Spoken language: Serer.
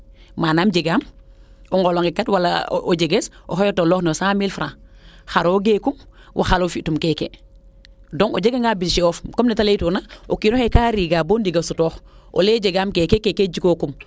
manam o ngolo ge kat o jeges oxey tolooxa no cent mille franc xaro geekum fo xaro fi tum keeke donc o jega nga budjet of comme nete leytuuna o kiinoxe kaa riiga bo ndiiga sutoox o leye jegaam keeke keeke jikookum